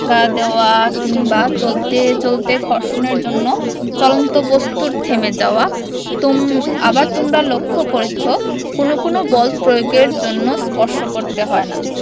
দেওয়া কিংবা চলতে চলতে ঘর্ষণের জন্য চলন্ত বস্তুর থেমে যাওয়া তুম আবার তোমরা লক্ষ করেছ কোনো কোনো বল প্রয়োগের জন্য স্পর্শ করতে হয় না